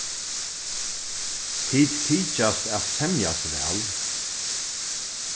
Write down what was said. tit tykjast at semjast væl